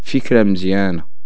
فكرة مزيانة